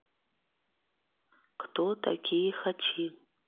кто такие хачи